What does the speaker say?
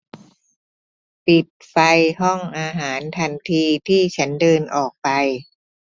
ปิดไฟห้องอาหารทันทีที่ฉันเดินออกไป